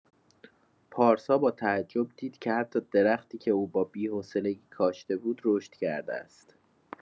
پارسا با تعجب دید که حتی درختی که او با بی‌حوصلگی کاشته بود، رشد کرده است.